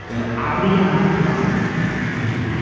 Yr Ariana Grande Cymreig.